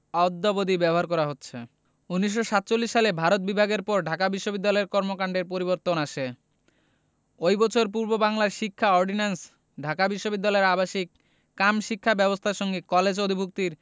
অদ্যাবধি ব্যবহার করা হচ্ছে ১৯৪৭ সালে ভারত বিভাগের পর ঢাকা বিশ্ববিদ্যালয়ের কর্মকান্ডে পরিবর্তন আসে ওই বছর পূর্ববাংলার শিক্ষা অর্ডিন্যান্স ঢাকা বিশ্ববিদ্যালয়ের আবাসিক কাম শিক্ষা ব্যবস্থার সঙ্গে কলেজ অধিভুক্তির